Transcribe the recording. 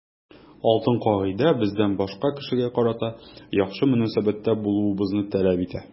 Алтын кагыйдә бездән башка кешегә карата яхшы мөнәсәбәттә булуыбызны таләп итә.